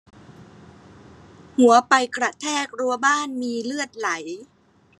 หัวไปกระแทกรั้วบ้านมีเลือดไหล